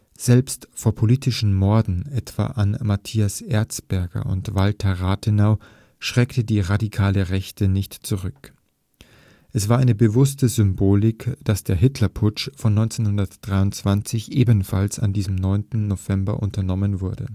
Selbst vor politischen Morden, etwa an Matthias Erzberger und Walter Rathenau, schreckte die radikale Rechte nicht zurück. Es war eine bewusste Symbolik, dass der Hitlerputsch von 1923 ebenfalls an einem 9. November unternommen wurde